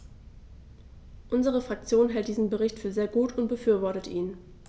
Unsere Fraktion hält diesen Bericht für sehr gut und befürwortet ihn.